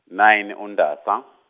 nine uNdasa.